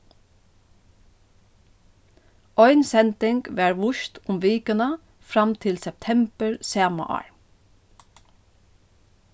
ein sending varð víst um vikuna fram til septembur sama ár